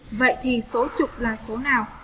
vậy thì số chục là số nào